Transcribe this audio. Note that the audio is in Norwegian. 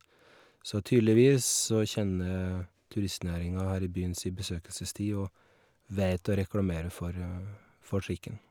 Så tydeligvis så kjenner turistnæringa her i byen si besøkelsestid og vet å reklamere for for trikken.